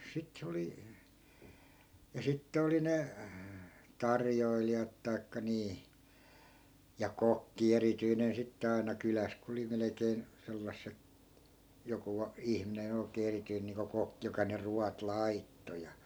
sitten se oli ja sitten oli ne tarjoilijat tai niin ja kokki erityinen sitten aina kylässä kun oli melkein sellaiset joku - ihminen oikein erityinen niin kuin kokki joka ne ruoat laittoi ja